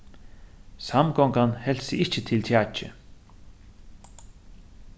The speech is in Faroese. samgongan helt seg ikki til kjakið